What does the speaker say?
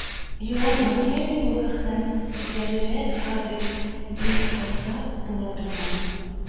Йон материя була һәм элгәрерәк әдрәс, бикасап була торган